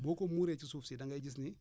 boo ko muuree ci suuf si da ngay gis ni